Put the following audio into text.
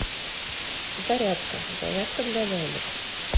зарядка зарядка для лялек